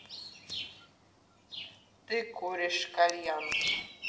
ты куришь кальян